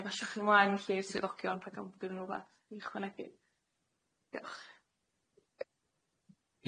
Nâi basioch chi mlaen lly'r swyddogion pan gawn bo' gennyn n'w fath i ychwanegu.